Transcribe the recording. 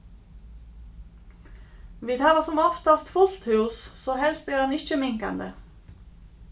vit hava sum oftast fult hús so helst er hann ikki minkandi